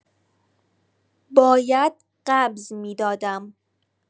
باید قبض می‌دادم.